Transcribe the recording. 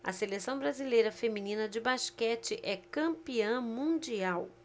a seleção brasileira feminina de basquete é campeã mundial